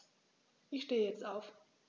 Ich stehe jetzt auf.